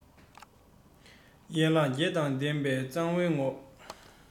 ཡན ལག བརྒྱད དང ལྡན པའི གཙང བོའི ངོགས